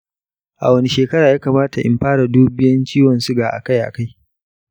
a wani shekara yakamata in fara dubiyan ciwon siga akai akai?